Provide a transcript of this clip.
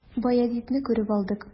Баязитны күреп алдык.